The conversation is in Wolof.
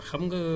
waaw